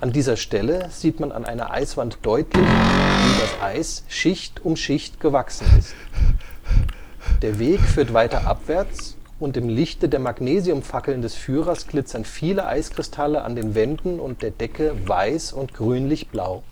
dieser Stelle sieht man an einer Eiswand deutlich, wie das Eis Schicht um Schicht gewachsen ist. Der Weg führt weiter abwärts, und im Lichte der Magnesiumfackeln des Führers glitzern viele Eiskristalle an den Wänden und der Decke weiß und grünlich-blau